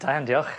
Da iwan diolch.